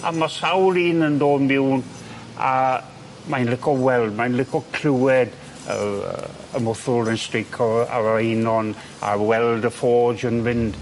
A ma' sawl un yn dod miwn a mae'n lico weld mae'n lico clywed yr yy y mwthwr yn streico ar yr einon a weld y fforge yn fynd.